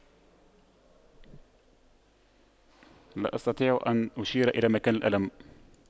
لا أستطيع أن أشير إلى مكان الألم